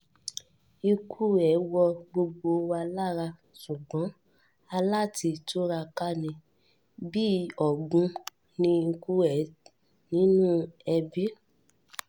Ikú ẹ̀ wọ gbogbo wa lára sùgbọ́n a lá ti túraká ni. “Bíi ọ̀gbun ni ikú ẹ̀ nínú ẹbí.